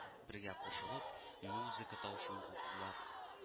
Бергә кушылып, музыка тавышын каплыйлар